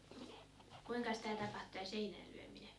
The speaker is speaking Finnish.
kuinkas tämä tapahtui tämä seinään lyöminen